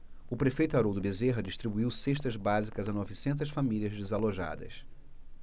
o prefeito haroldo bezerra distribuiu cestas básicas a novecentas famílias desalojadas